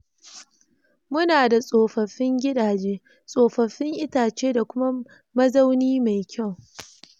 “Mu na da tsofaffin gidaje, tsoffafin itace da kuma mazauni mai kyau.